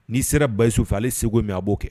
N'i sera basufɛ ale segu min a b'o kɛ